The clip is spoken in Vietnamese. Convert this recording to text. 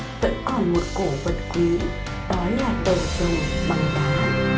vẫn còn một cổ vật quý đó là đầu rồng bằng đá